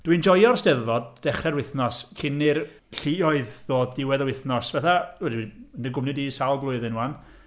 Dwi'n joio'r Steddfod dechrau'r wythnos, cyn i'r lluoedd ddod diwedd yr wythnos. Fatha wedi mynd yn dy gwmni di sawl blwyddyn 'wan.